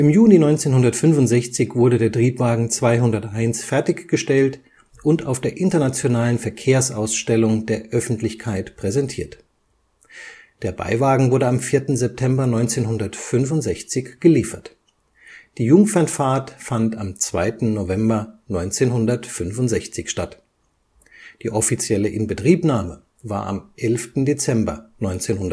Juni 1965 wurde der Triebwagen 201 fertiggestellt und auf der Internationalen Verkehrsausstellung der Öffentlichkeit präsentiert. Der Beiwagen wurde am 4. September 1965 geliefert. Die Jungfernfahrt fand am 2. November 1965 statt. Die offizielle Inbetriebnahme war am 11. Dezember 1965